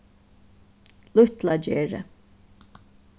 lítlagerði